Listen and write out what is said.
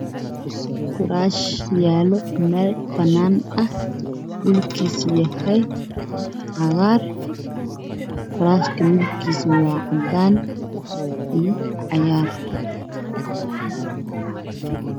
Kursi yaalo meel bannaan ah kursiga ma caddaan geesihiisana waa qalin